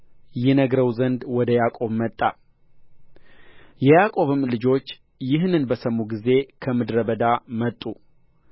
ይነግረው ዘንድ ወደ ያዕቆብ ወጣ የያዕቆብም ልጆች ይህንን በሰሙ ጊዜ ከምድረ በዳ መጡ